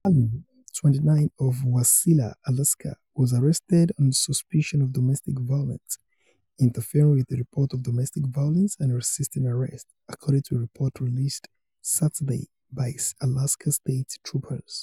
Palin, 29, of Wasilla, Alaska, was arrested on suspicion of domestic violence, interfering with a report of domestic violence and resisting arrest, according to a report released Saturday by Alaska State Troopers.